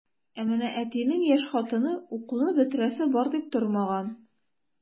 Ә менә әтинең яшь хатыны укуны бетерәсе бар дип тормаган.